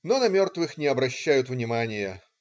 Но на мертвых не обращают внимания.